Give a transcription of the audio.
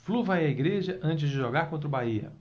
flu vai à igreja antes de jogar contra o bahia